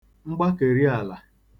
mgbakeriàlà